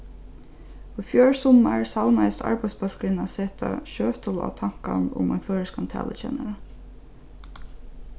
í fjør summar savnaðist arbeiðsbólkurin at seta sjøtul á tankan um ein føroyskan talukennara